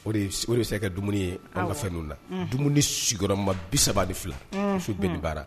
O de bɛ se ka dumuni ye an ka fɛ la dumuni sigiyɔrɔba bi saba de fila sub baara